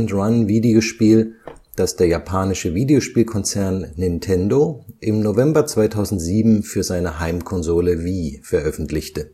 Run-Videospiel, das der japanische Videospielkonzern Nintendo im November 2007 für seine Heimkonsole Wii veröffentlichte